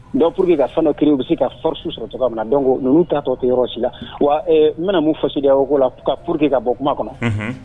Dɔw pur que ka fɛn kiiri u bɛ se kasu sɔrɔ cogo min na dɔn ninnu ta tɔ to yɔrɔ si la wa n bɛna mun faso la ka pur que ka bɔ kuma kɔnɔ